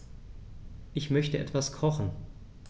Ich möchte etwas kochen.